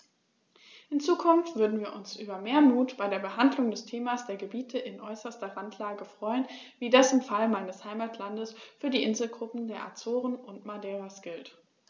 In Zukunft würden wir uns über mehr Mut bei der Behandlung des Themas der Gebiete in äußerster Randlage freuen, wie das im Fall meines Heimatlandes für die Inselgruppen der Azoren und Madeiras gilt.